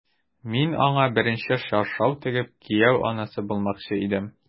Мин аңа беренче чаршау тегеп, кияү анасы булмакчы идем...